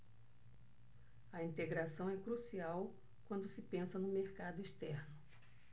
a integração é crucial quando se pensa no mercado externo